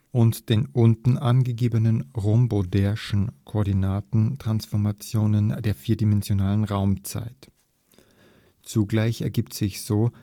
und den unten angegebenen „ rhomboedrischen “Koordinaten-Transformationen der vierdimensionalen Raumzeit. Zugleich ergibt sich so